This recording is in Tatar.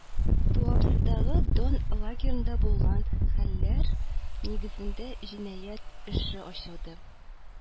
Туапседагы “Дон” лагеренда булган хәлләр нигезендә җинаять эше ачылды